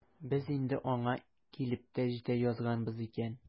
Без инде аңа килеп тә җитә язганбыз икән.